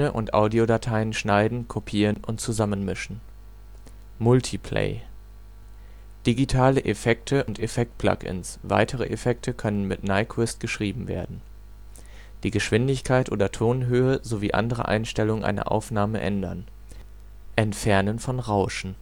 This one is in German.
und Audio-Dateien schneiden, kopieren und zusammenmischen Multiplay (bestehende Aufnahmen beim Aufnehmen einer neuen anhören) digitale Effekte und Effekt Plugins. Weitere Effekte können mit Nyquist geschrieben werden. Die Geschwindigkeit oder Tonhöhe sowie andere Einstellungen einer Aufnahme ändern Entfernen von Rauschen